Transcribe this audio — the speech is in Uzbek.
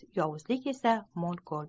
yovuzlik esa mol kol